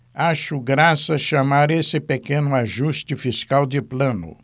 acho graça chamar esse pequeno ajuste fiscal de plano